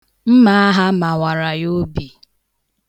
Mmaagha mawara ya obi.